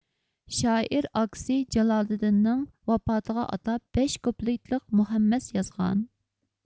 شائىر ئاكىسى جالالىدىننىڭ ۋاپاتىغا ئاتاپ بەش كۇپلېتلىق مۇخەممەس يازغان